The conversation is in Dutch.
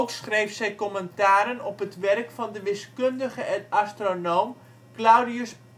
schreef zij commentaren op het werk van de wiskundige en astronoom Claudius